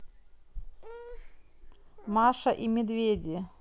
маша и медведи